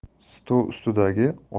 stol ustidagi oshxona